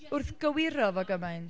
Wrth gywiro fo gymaint?